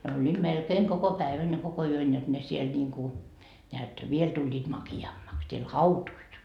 ne olivat melkein koko päivän ja koko yön jotta ne siellä niin kuin näet vielä tulivat makeammaksi siellä hautuivat